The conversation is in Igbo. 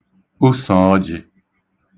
osọ̀ọjị̄